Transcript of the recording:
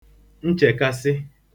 nchèkasị